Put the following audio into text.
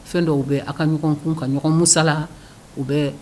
Fɛn dɔw bɛ aw ka ɲɔgɔn kun ka ɲɔgɔn musala u bɛ